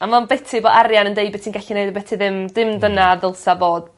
a ma'n biti bo' arian yn deud be' ti'n gallu neud a be' ti ddim. Dim dyna dylsa fod